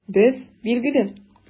Без, билгеле!